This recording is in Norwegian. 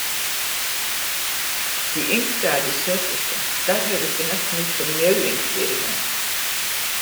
De yngste er de søteste, der høres det nesten ut som mjauing, flirer han.